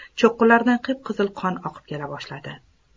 cho'qqilardan qip qizil qon oqib kela boshladi